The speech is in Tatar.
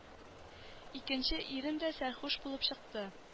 Икенче ирем дә сәрхүш булып чыкты